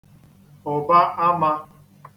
hụ̀ba āmā